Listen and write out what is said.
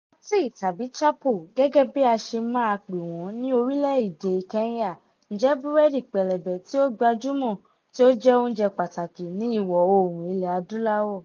Chapati tàbí "chapo" gẹ́gẹ́ bí a ṣe máa pè wọ́n ní orílẹ̀ èdè Kenya, jẹ́ búrẹ́dì pẹlẹbẹ tí ó gbajúmò tí ó jẹ́ oúnjẹ pàtàkì ní Ìwọ Oòrùn Ilẹ̀ Adúláwò.